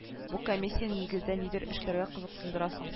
Бу комиссияне нигездә нидер эшләр кызыксындыра соң